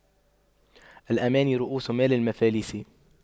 الأماني رءوس مال المفاليس